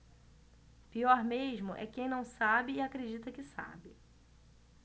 pior mesmo é quem não sabe e acredita que sabe